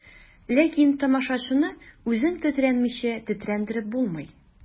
Ләкин тамашачыны үзең тетрәнмичә тетрәндереп булмый.